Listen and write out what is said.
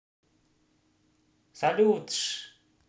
салют ш